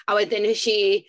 A wedyn wnes i...